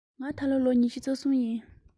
ང ད ལོ ལོ ཉི ཤུ རྩ གསུམ ཡིན